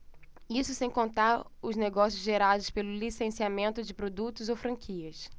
isso sem contar os negócios gerados pelo licenciamento de produtos ou franquias